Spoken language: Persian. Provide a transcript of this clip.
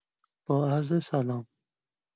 با عرض سلام.